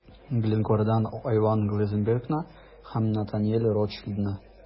Glencore'дан Айван Глазенбергны һәм Натаниэль Ротшильдны.